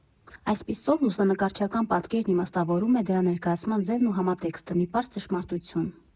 Այսպիսով, լուսանկարչական պատկերն իմաստավորում է դրա ներկայացման ձևն ու համատեքստը, մի պարզ ճշմարտություն.